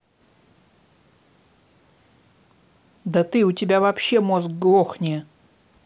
да ты у тебя вообще мозг глохни